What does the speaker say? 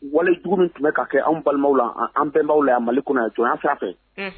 Walejugu min tun bɛ ka kɛ anw balimaw la, an bɛnbaw la, Mali kɔnɔ yan, jɔnya sira fɛ.